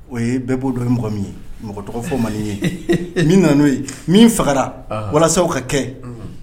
O ye bɛɛ b'o don ye mɔgɔ min ye mɔgɔ tɔgɔ fɔ man ye min nana n'o ye min fagara walasaw ka kɛ